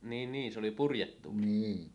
niin niin se oli purjetuuli